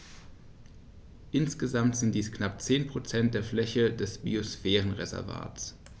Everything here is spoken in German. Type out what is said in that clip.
Insgesamt sind dies knapp 10 % der Fläche des Biosphärenreservates.